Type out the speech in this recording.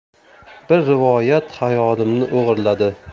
bir rivoyat xayolimni o'g'irladi